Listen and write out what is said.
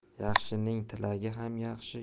yaxshining tilagi ham yaxshi